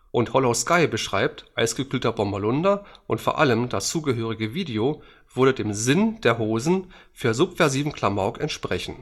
und Hollow Skai schreibt, Eisgekühlter Bommerlunder und vor allem das zugehörige Video würde „ dem Sinn der Hosen für subversiven Klamauk entsprechen